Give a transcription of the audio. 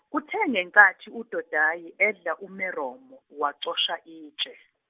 kuthe ngenkathi uDodayi edla uMeromo, wacosha itshe.